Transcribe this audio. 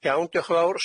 Iawn dioch yn fawr.